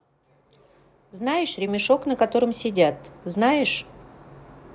знаешь ремешок на котором сидят знаешь